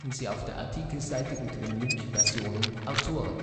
Siehe auch: Gattungsnamen in juristischen